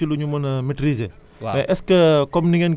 xam nga taw bi moom nekkul ci lu ñu mën a maitriser